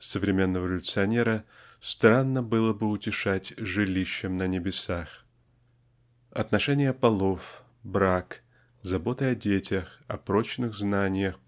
Современного революционера странно было бы утешать "жилищем на небесах". Отношения полов брак заботы о детях о прочных знаниях